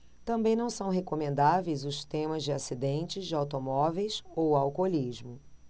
também não são recomendáveis os temas de acidentes de automóveis ou alcoolismo